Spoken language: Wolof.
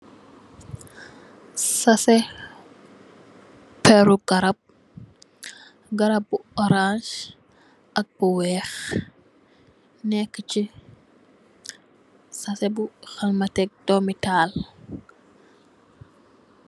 Sasè pèrru garab, garab bu orance ak bu weeh. Nekk chi sasè bu halmatèk doomital.